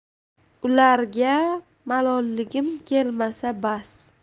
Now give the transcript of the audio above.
ularga malolligim kelmasa bas